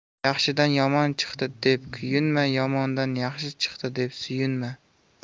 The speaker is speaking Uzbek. yaxshidan yomon chiqdi deb kuyinma yomondan yaxshi chiqdi deb suyunma